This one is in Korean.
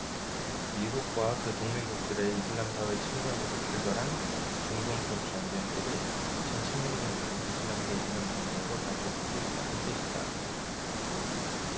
미국과 그 동맹국들의 이슬람사회 침략으로 출발한 중동 쪽 전쟁들이 이천 십 육 년에는 이슬람 대 이슬람 전쟁으로 번질 수도 있다는 뜻이다